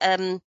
yym